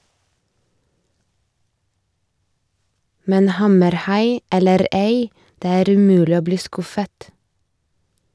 Men hammerhai eller ei - det er umulig å bli skuffet.